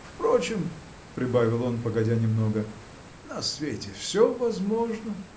Впрочем, -- прибавил он погодя немного, -- на свете все возможно.